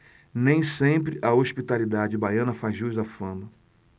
nem sempre a hospitalidade baiana faz jus à fama